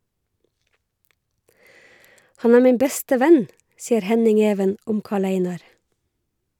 Han er min beste venn, sier Henning-Even om Karl-Einar.